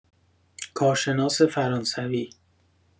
کارشناس فرانسوی